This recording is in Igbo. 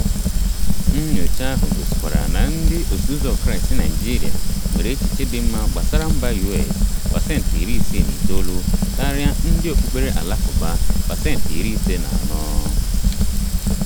Nnyocha ahụ gosikwara na Ndị Osoụzọ Kraịstị Naịjirịa "nwere echiche dị mma gbasara mba US (pasentị iri isii na itoolu ) karịa ndị Okukpere Alakụba (pasentị iri ise na anọ )".